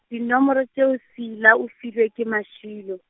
dinomoro tšeo Seila o filwe ke Mašilo.